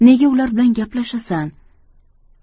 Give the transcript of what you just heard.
nega ular bilan gaplashasan